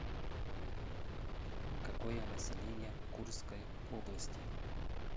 какое население курской области